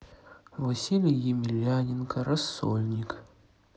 василий емельяненко рассольник